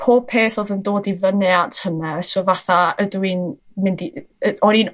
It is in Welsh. pob peth odd yn dod i fyny at hynna. So fatha ydw i'n mynd yy o'n i'n